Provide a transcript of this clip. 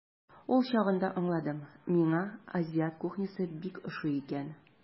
Ул чагында аңладым, миңа азиат кухнясы бик ошый икән.